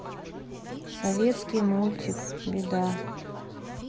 советский мультик беда